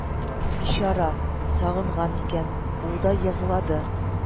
Бичара, сагынган икән, ул да еглады